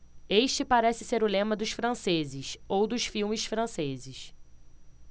este parece ser o lema dos franceses ou dos filmes franceses